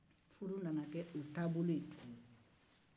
u nana kɛ o taabolo ye